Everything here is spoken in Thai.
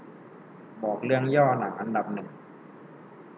บอกเรื่องย่อหนังอันดับหนึ่ง